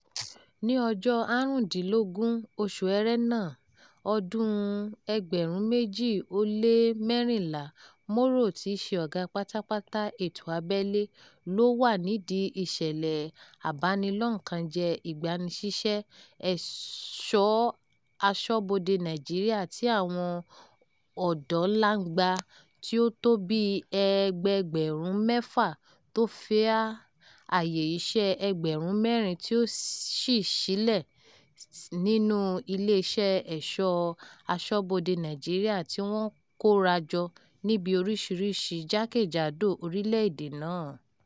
Ní ọjọ́ 15, oṣù Ẹrẹ́nà, ọdún-un 2014, Moro, tí í ṣe ọ̀gá pátápátá ètò abélé, ló wà nídìí ìṣẹ̀lẹ̀ abanilọ́kànjẹ́ Ìgbanisíṣẹ́ Ẹ̀ṣọ̀ aṣọ́bodè Nàìjíríà tí àwọn ọ̀dọ́langba tí ó tó bíi ẹgbẹẹgbẹ̀rún 6 tó fẹ́ àyè iṣẹ́ ẹgbẹ̀rún 4 tí ó ṣí sílẹ̀ nínú iléeṣẹ́ Ẹ̀ṣọ̀ Aṣọ́bodè Nàìjíríà tí wọ́n kóra jọ níbi orísìírísìí jákèjádò orílẹ̀ èdè náà.